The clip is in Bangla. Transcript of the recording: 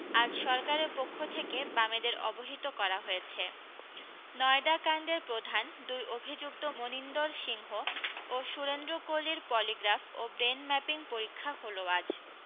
আজ সরকারের পক্ষ থেকে বামেদের অবহিত করা হয়েছে নয়ডা কাণ্ডের প্রধান দুই অভি্যুক্ত মনিন্দর সিংহ ও সুরেন্দ্র কোলির পলিগ্রাফ ও ব্রেন ম্যাপিং পরীক্ষা হল আজ